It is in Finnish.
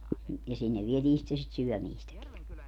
ja sinne vietiin sitten sitä syömistäkin